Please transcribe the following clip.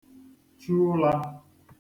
chu ụlā